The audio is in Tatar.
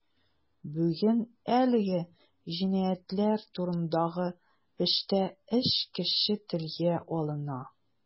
Бүген әлеге җинаятьләр турындагы эштә өч кеше телгә алына.